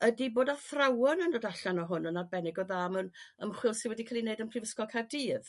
ydy bod athrawon yn dod allan o hwn yn arbennig o dda mewn ymchwil sy' wedi ca'l 'i wneud yn Prifysgol Caerdydd.